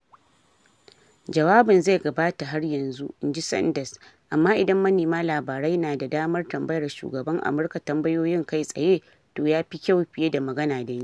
Jawabin zai gabata har yanzu, in ji Sanders, amma "idan manema labarai na da damar tambayar shugaban Amurka tambayoyin, kai tsaye toh yafi kyau fiye da magana da ni.